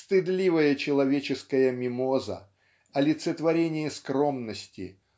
стыдливая человеческая мимоза олицетворение скромности